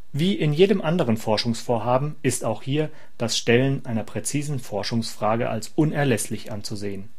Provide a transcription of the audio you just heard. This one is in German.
Wie in jedem anderen Forschungsvorhaben ist auch hier das Stellen einer präzisen Forschungsfrage als unerlässlich anzusehen